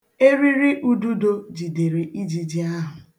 Eririududo jidere ijiji ahụ.